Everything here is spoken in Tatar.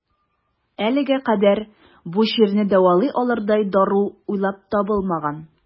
Әлегә кадәр бу чирне дәвалый алырдай дару уйлап табылмаган.